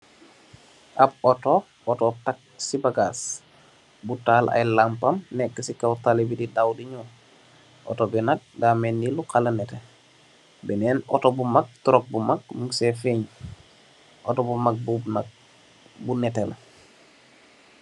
Ap otto, otto taxi bagaas mu tahal ay lampam nekka ci kaw tali bi di daw di ñaw. Otto bi nak da melni lu xawa neteh. Benen Otto bu mak , truck bu mak mung sèè feñ otto bu mak bob nak bu netteh la.